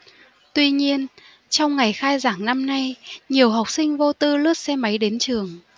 tuy nhiên trong ngày khai giảng năm nay nhiều học sinh vô tư lướt xe máy đến trường